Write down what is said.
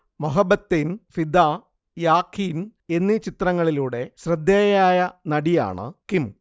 മൊഹബത്തെയ്ൻ, ഫിദ, യാഖീൻ എന്നീ ചിത്രങ്ങളിലൂടെ ശ്രദ്ധേയയായ നടിയാണ് കിം